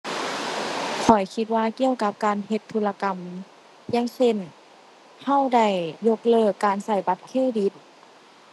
ข้อยคิดว่าเกี่ยวกับการเฮ็ดธุรกรรม อย่างเช่น เราได้ยกเลิกการเราบัตรเครดิต